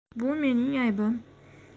bu mening aybim